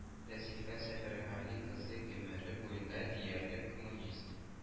Рәсиха Сәфәргали кызы гомере буена диярлек коммунист